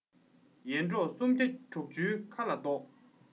ཡེ འབྲོག སུམ བརྒྱ དྲུག ཅུའི ཁ ལ བཟློག